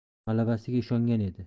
g'alabasiga ishongan edi